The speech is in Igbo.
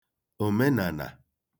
òmenànà